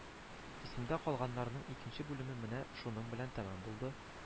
«исемдә калганнар»ның икенче бүлеме менә шуның белән тәмам булды